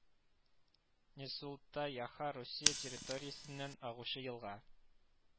Неслута-Яха Русия территориясеннән агучы елга